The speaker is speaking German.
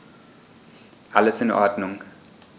Alles in Ordnung.